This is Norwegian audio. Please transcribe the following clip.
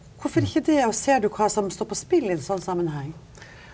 hvorfor ikke det og ser du hva som står på spill i en sånn sammenheng?